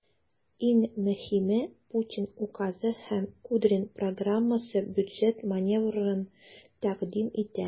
Иң мөһиме, Путин указы һәм Кудрин программасы бюджет маневрын тәкъдим итә.